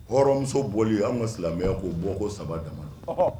Hɔrɔnmuso boli, anw ka silamɛya ko bɔ ko 3 don.